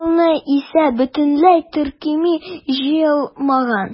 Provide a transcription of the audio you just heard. Узган елны исә бөтенләй төркем җыелмаган.